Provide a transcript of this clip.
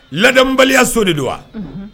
Ladabaliya so de don wa